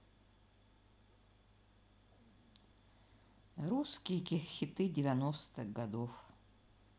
русские хиты девяностых годов